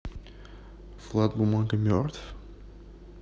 влад бумага мертв